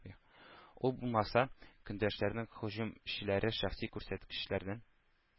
Ул булмаса, көндәшләрнең һөҗүмчеләре шәхси күрсәткечләрен